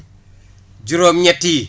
juróom-ñett yi